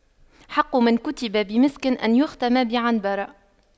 حق من كتب بمسك أن يختم بعنبر